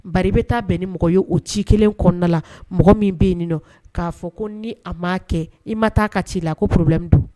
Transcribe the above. Ba i bɛ taa bɛn ni mɔgɔ ye o ci kelen kɔnɔna la mɔgɔ min bɛ yen nin k'a fɔ ko ni a m ma kɛ i ma taa a ka ci i la ko porobi don